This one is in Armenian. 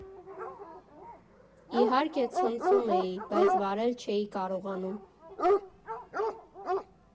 Իհարկե ցնծում էի, բայց վարել չէի կարողանում։